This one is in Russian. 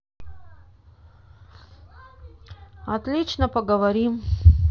отлично поговорим